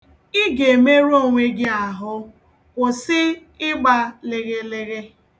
Ị ga-emerụ onwe gị ahụ, kwụsị ịgba lịghịlịghị.